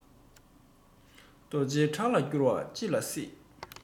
རྡོ རྗེའི བྲག ལ འགྱུར བ ཅི ལ སྲིད